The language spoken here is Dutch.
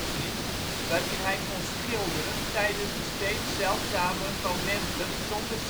in, waarin hij kon schilderen tijdens de steeds zeldzamer momenten zonder